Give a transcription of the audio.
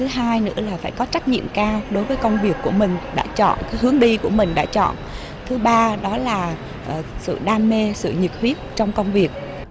thứ hai nữa là phải có trách nhiệm cao đối với công việc của mình đã chọn cái hướng đi của mình đã chọn thứ ba đó là sự đam mê sự nhiệt huyết trong công việc